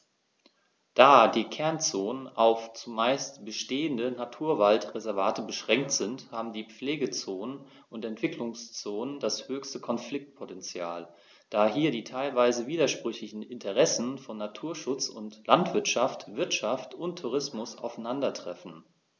Da die Kernzonen auf – zumeist bestehende – Naturwaldreservate beschränkt sind, haben die Pflegezonen und Entwicklungszonen das höchste Konfliktpotential, da hier die teilweise widersprüchlichen Interessen von Naturschutz und Landwirtschaft, Wirtschaft und Tourismus aufeinandertreffen.